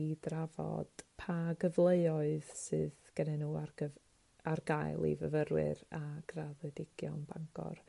i drafod pa gyfleoedd sydd gennyn nw argyf- ar gael i fyfyrwyr a graddedigion Bangor.